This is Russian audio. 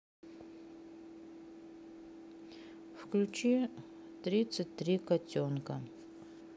включи тридцать три котенка